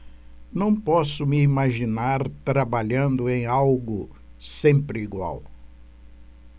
não posso me imaginar trabalhando em algo sempre igual